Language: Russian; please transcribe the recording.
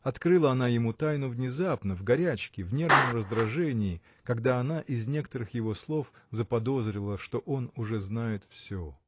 Открыла она ему тайну внезапно, в горячке, в нервном раздражении, когда она, из некоторых его слов, заподозрила, что он уже знает всё.